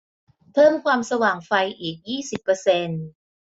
เพิ่มความสว่างไฟอีกยี่สิบเปอร์เซ็นต์